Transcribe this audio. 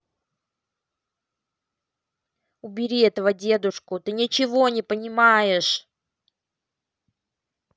убери этого дедушку ничего ты не понимаешь